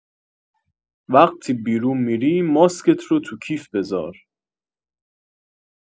وقتی بیرون می‌ری ماسکت رو تو کیف بذار